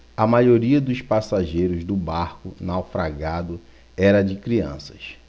a maioria dos passageiros do barco naufragado era de crianças